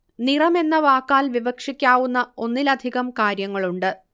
നിറമെന്ന വാക്കാൽ വിവക്ഷിക്കാവുന്ന ഒന്നിലധികം കാര്യങ്ങളുണ്ട്